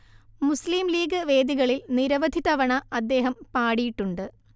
മുസ്ലീം ലീഗ് വേദികളിൽ നിരവധി തവണ അദ്ദേഹം പാടിയിട്ടുണ്ട്